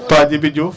paa Djibi Diouf